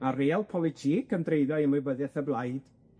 a'r real politique yn dreiddio i ymwybyddiaeth y blaid,